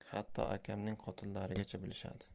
hatto akamning qotillarigacha bilishadi